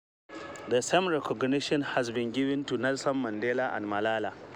The same recognition has been given to Nelson Mandela and Malala.